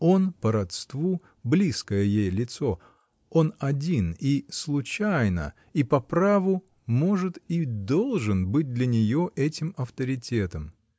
Он по родству — близкое ей лицо: он один, и случайно, и по праву может и должен быть для нее этим авторитетом.